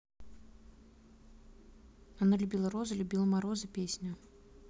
она любила розы любила морозы песня